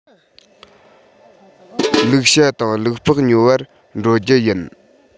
ལུག ཤ དང ལུག ལྤགས ཉོ བར འགྲོ རྒྱུ ཡིན